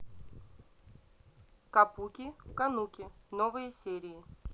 капуки кануки новые серии